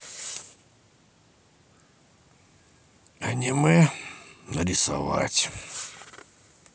аниме нарисовать